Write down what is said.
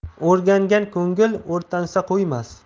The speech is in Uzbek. o'rgangan ko'ngil o'rtansa qo'ymas